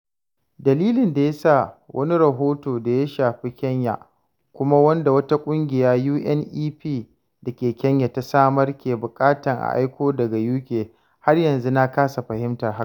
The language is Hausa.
Dalilin da yasa wani rahoto da ya shafi Kenya kuma wanda wata ƙungiya (UNEP) da ke Kenya ta samar ke buƙatan a aiko daga UK har yanzu na kasa fahimtan hakan.